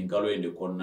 Nin nkalon ye de kɔnɔna